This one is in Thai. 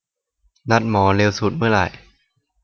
นัดหมอเร็วสุดเมื่อไหร่